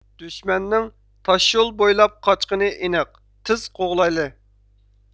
دۈشمەننىڭ تاشيول بويلاپ قاچقىنى ئېنىق تېز قوغلايلى